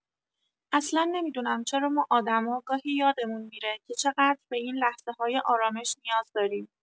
اصلا نمی‌دونم چرا ما آدما گاهی یادمون می‌ره که چقدر به این لحظه‌های آرامش نیاز داریم.